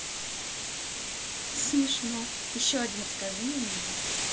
смешно еще один расскажи мне анекдот